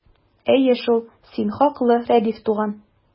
Әйе шул, син хаклы, Рәдиф туган!